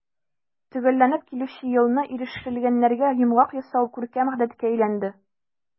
Төгәлләнеп килүче елны ирешелгәннәргә йомгак ясау күркәм гадәткә әйләнде.